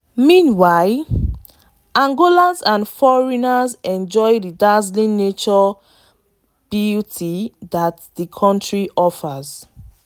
Meanwhile, Angolans and foreigners enjoy the dazzling natural beauty that the country offers.